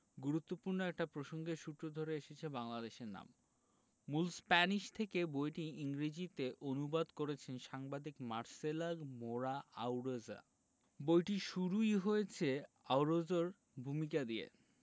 গুরুত্বপূর্ণ একটা প্রসঙ্গের সূত্র ধরে এসেছে বাংলাদেশের নাম মূল স্প্যানিশ থেকে বইটি ইংরেজিতে অনু্বাদ করেছেন সাংবাদিক মার্সেলা মোরা আউরোজা বইটি শুরুই হয়েছে আউরোজোর ভূমিকা দিয়ে